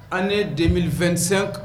Anelefɛnsen kan